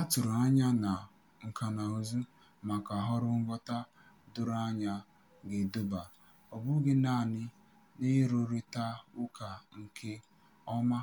Atụrụ anya na nkànaụzụ maka ọrụ nghọta doro anya ga-eduba ọ bụghị naanị n'ịrụrịta ụka nke ọma